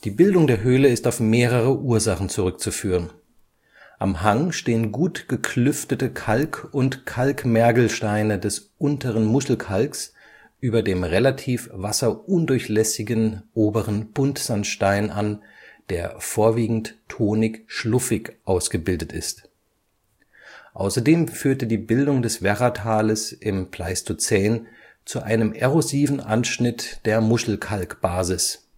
Bildung der Höhle ist auf mehrere Ursachen zurückzuführen. Am Hang stehen gut geklüftete Kalk - und Kalkmergelsteine des Unteren Muschelkalks über dem relativ wasserundurchlässigen Oberen Buntsandstein (Röt) an, der vorwiegend tonig-schluffig ausgebildet ist. Außerdem führte die Bildung des Werratales im Pleistozän zu einem erosiven Anschnitt der Muschelkalkbasis